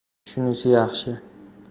shunisi yaxshi